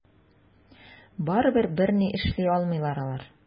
Барыбер берни эшли алмыйлар алар.